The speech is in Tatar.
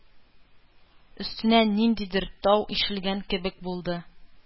Өстенә ниндидер тау ишелгән кебек булды